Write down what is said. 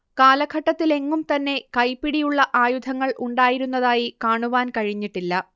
കാലഘട്ടത്തിലെങ്ങും തന്നെ കൈപിടിയുള്ള ആയുധങ്ങൾ ഉണ്ടായിരുന്നതായി കാണുവാൻ കഴിഞ്ഞിട്ടില്ല